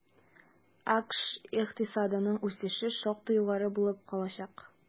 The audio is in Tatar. АКШ икътисадының үсеше шактый югары булып калачак.